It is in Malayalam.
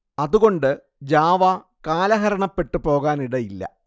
അതുകൊണ്ട് ജാവ കാലഹരണപ്പെട്ട് പോകാനിടയില്ല